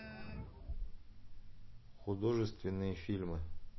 художественные фильмы